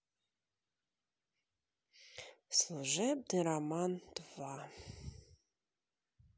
служебный роман два